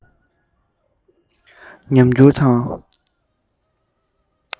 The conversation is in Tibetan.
ཉམས འགྱུར དང